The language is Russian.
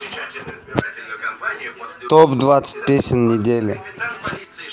топ двадцать песен недели